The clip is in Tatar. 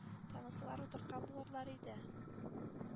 Танысалар, утырткан булырлар иде“,